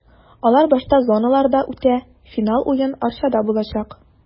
Алар башта зоналарда үтә, финал уен Арчада булачак.